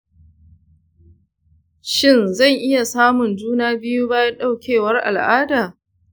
shin zan iya samun juna biyu bayan ɗaukewar al'ada?